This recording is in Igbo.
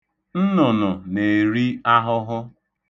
Nnụnụ na-eri ahụhụ.